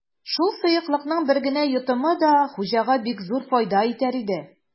Шул сыеклыкның бер генә йотымы да хуҗага бик зур файда итәр иде.